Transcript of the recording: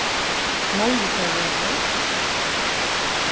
móritsarvegur